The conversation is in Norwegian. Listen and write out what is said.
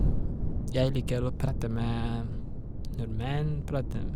Jeg liker å prate med nordmenn, prate m...